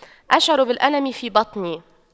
أشعر بالألم في بطني